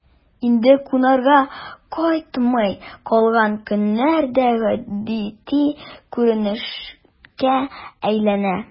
Инде кунарга кайтмый калган көннәр дә гадәти күренешкә әйләнә...